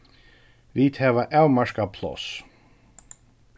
vit hava avmarkað pláss